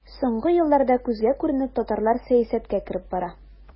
Соңгы елларда күзгә күренеп татарлар сәясәткә кереп бара.